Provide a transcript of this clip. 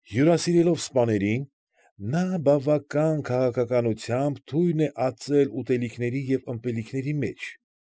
Հյուրասիրելով սպաներին, նա «բավական քանակությամբ» թույն է ածել ուտելիքների և ըմպելիքների մեջ։